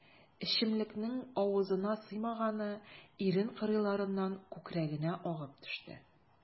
Эчемлекнең авызына сыймаганы ирен кырыйларыннан күкрәгенә агып төште.